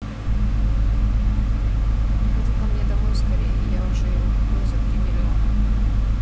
приходи ко мне домой скорее я уже его купил за три миллиона